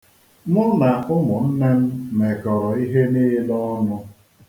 Mụ na ụmụnne m mekọrọ ihe niile ọnụ.